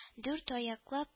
Дүрт аяклап